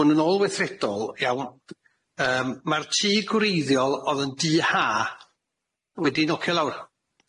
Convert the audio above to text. hwn yn olwythredol iawn yym ma'r tŷ gwreiddiol o'dd yn du ha wedi'i nocio lawr.